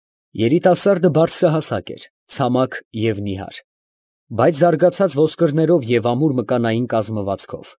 Երիտասարդը բարձրահասակ էր, ցամաք և նիհար, բայց զարգացած ոսկրներով և ամուր մկանային կազմվածքով։